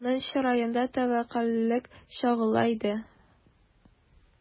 Аның чыраенда тәвәккәллек чагыла иде.